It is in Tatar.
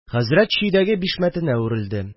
Хәзрәт чөйдәге бишмәтенә үрелде